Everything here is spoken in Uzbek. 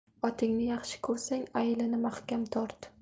otingni yaxshi ko'rsang ayilini mahkam tort